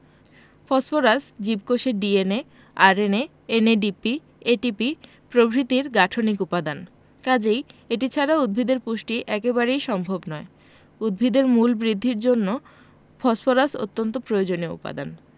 phosphorus জীবকোষের DNA RNA NADP ATP প্রভৃতির গাঠনিক উপাদান কাজেই এটি ছাড়া উদ্ভিদের পুষ্টি একেবারেই সম্ভব নয় উদ্ভিদের মূল বৃদ্ধির জন্য ফসফরাস অত্যন্ত প্রয়োজনীয় উপাদান